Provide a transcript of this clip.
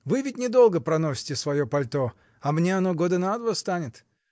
Вы ведь недолго проносите свое пальто, а мне оно года на два станет.